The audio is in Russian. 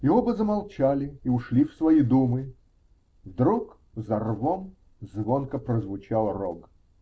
И оба замолчали и ушли в свои думы, вдруг за рвом звонко прозвучал рог.